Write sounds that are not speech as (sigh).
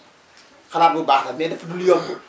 xalaat bu baax la mais dafadul (coughs) yomb